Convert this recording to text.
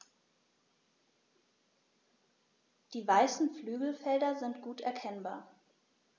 Die weißen Flügelfelder sind gut erkennbar.